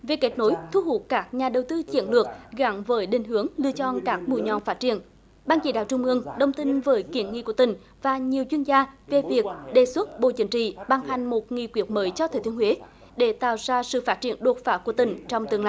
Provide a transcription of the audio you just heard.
về kết nối thu hút các nhà đầu tư chiến lược gắn với định hướng lựa chọn các mũi nhọn phát triển ban chỉ đạo trung ương đồng tình với kiến nghị của tỉnh và nhiều chuyên gia về việc đề xuất bộ chính trị ban hành một nghị quyết mới cho thừa thiên huế để tạo ra sự phát triển đột phá của tỉnh trong tương lai